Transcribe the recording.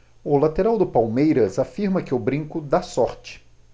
o lateral do palmeiras afirma que o brinco dá sorte